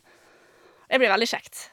Det blir veldig kjekt.